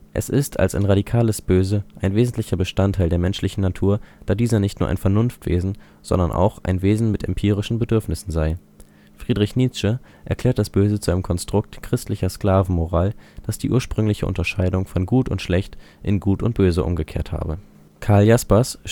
Es ist als ein radikales Böse ein wesentlicher Bestandteil der menschlichen Natur, da dieser nicht nur ein Vernunftwesen, sondern auch ein Wesen mit empirischen Bedürfnissen sei. Friedrich Nietzsche erklärt das Böse zu einem Konstrukt christlicher Sklavenmoral, das die ursprüngliche Unterscheidung von gut und schlecht in gut und böse umgekehrt habe. Karl Jaspers